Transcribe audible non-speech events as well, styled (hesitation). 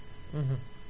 (hesitation) (hesitation)